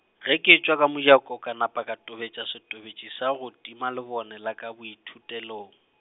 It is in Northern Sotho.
ge ke etšwa ka mojako ka napa ka tobetša setobetši sa go tima lebone la ka boithutelong.